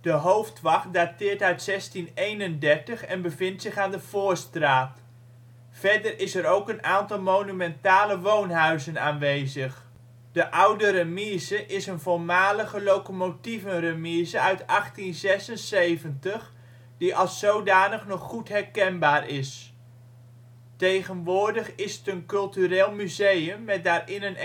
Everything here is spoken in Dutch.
Hoofdwacht dateert uit 1631 en bevindt zich aan de Voorstraat. Verder is er ook een aantal monumentale woonhuizen aanwezig. De Oude Remise is een voormalige locomotievenremise uit 1876, die als zodanig nog goed herkenbaar is. Tegenwoordig is het een cultureel centrum, met daarin een expositieruimte